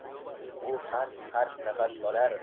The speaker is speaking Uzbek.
u xars hars nafas olar